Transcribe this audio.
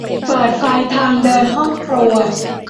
เปิดไฟทางเดินห้องครัว